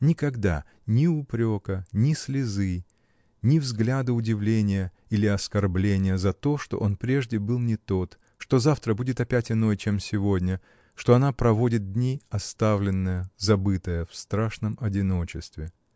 Никогда — ни упрека, ни слезы, ни взгляда удивления или оскорбления за то, что он прежде был не тот, что завтра будет опять иной, чем сегодня, что она проводит дни оставленная, забытая, в страшном одиночестве.